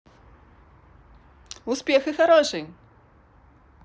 успех и хороший